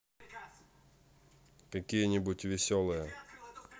какие нибудь веселые